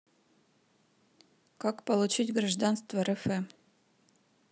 как получить гражданство рф